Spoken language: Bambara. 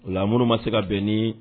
Lammuruuru ma se ka bɛn ni